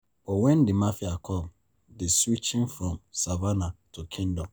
But when the mafia come, they switching from "Savannah" to ‘Kingdom’